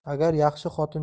agar yaxshi xotin